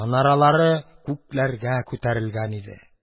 Манаралары күкләргә күтәрелгән иде.